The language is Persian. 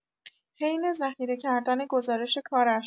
حین ذخیره کردن گزارش کارش